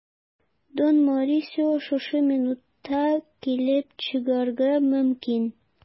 Дон Морисио шушы минутта килеп чыгарга мөмкин.